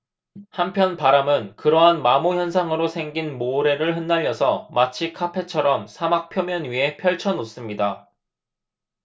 한편 바람은 그러한 마모 현상으로 생긴 모래를 흩날려서 마치 카펫처럼 사막 표면 위에 펼쳐 놓습니다